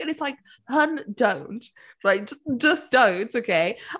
And it’s like, hun, don’t. Like, just don’t, okay.